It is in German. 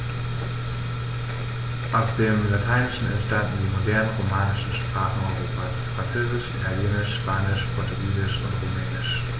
Aus dem Lateinischen entstanden die modernen „romanischen“ Sprachen Europas: Französisch, Italienisch, Spanisch, Portugiesisch und Rumänisch.